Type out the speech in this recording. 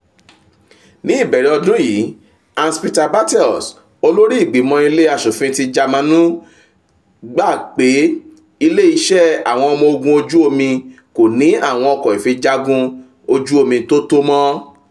Ní ìbẹ̀rẹ̀ ọdún yìí, Hans-Peter Bartels, olórí ìgbìmọ̀ ilé aṣòfin ti Jámànù, gbà pé Ilé iṣẹ́ àwọn ọmọ ogun ojú omi “kò ní àwon ọkọ ìfijagún ojú omi tó tó mọ́.”